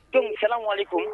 Dume salamuhalekum.